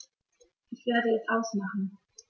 Ich werde es ausmachen